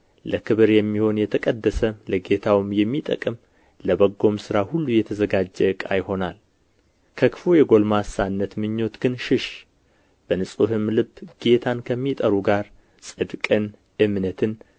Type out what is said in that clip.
ለክብር የሚሆን የተቀደሰም ለጌታውም የሚጠቅም ለበጎም ሥራ ሁሉ የተዘጋጀ ዕቃ ይሆናል ከክፉ የጎልማሳነት ምኞት ግን ሽሽ በንጹሕም ልብ ጌታን ከሚጠሩ ጋር ጽድቅን እምነትን